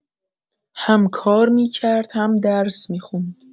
هم کار می‌کرد هم درس می‌خوند.